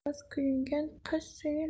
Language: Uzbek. yoz kuyungan qish suyunar